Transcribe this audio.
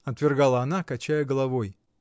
— отвергала она, качая головой.